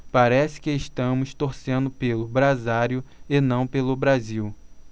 parece que estamos torcendo pelo brasário e não pelo brasil